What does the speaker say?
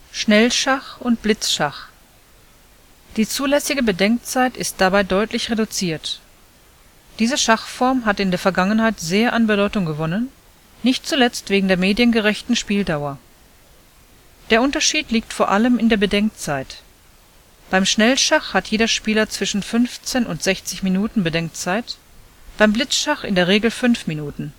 Schnellschach und Blitzschach: Die zulässige Bedenkzeit ist dabei deutlich reduziert. Diese Schachform hat in der Vergangenheit sehr an Bedeutung gewonnen, nicht zuletzt wegen der mediengerechten Spieldauer. Der Unterschied liegt vor allem in der Bedenkzeit: Beim Schnellschach hat jeder Spieler zwischen 15 und 60 Minuten Bedenkzeit, beim Blitzschach in der Regel 5 Minuten